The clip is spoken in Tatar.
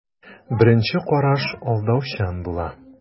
Беренче караш алдаучан була.